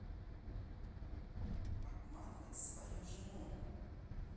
обманывать свою жену